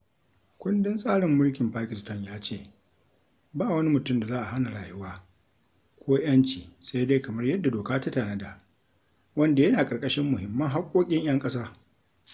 Kundin tsarin mulkin Pakistan ya ce "ba wani mutum da za a hana rayuwa ko 'yanci sai dai kamar yadda doka ta tanada," wanda yana ƙarƙashin Muhimman Haƙƙoƙin 'Yan ƙasa.